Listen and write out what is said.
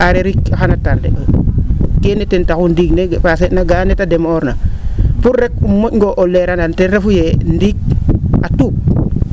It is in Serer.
aareer it xana tarder: fra keene ten taxu ndiig ne passer na ga'aa nee ta deme'oorna pour rek um mo?o o leranan ten refuyee ndiig a tuup